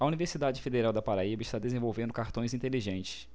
a universidade federal da paraíba está desenvolvendo cartões inteligentes